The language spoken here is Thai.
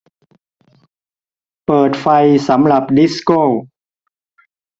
เปิดไฟสำหรับดิสโก้